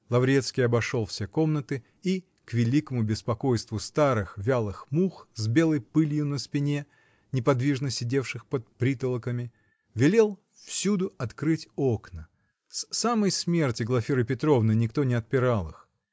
Лаврецкий обошел все комнаты и, к великому беспокойству старых, вялых мух с белой пылью на спине, неподвижно сидевших под притолоками, велел всюду открыть окна: с самой смерти Глафиры Петровны никто не отпирал их.